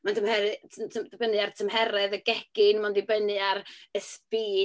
Mae'n tymheru- tm- tm- dibynnu ar tymheredd y gegin, mae'n dibynnu ar speed.